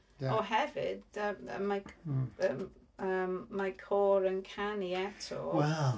O hefyd yym mae mae c- yym yym mae côr yn canu eto... Wel.